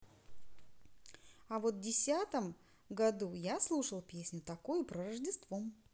а вот десятом году я слушал песню такую про рождество